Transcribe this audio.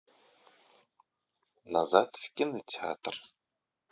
назад в кинотеатр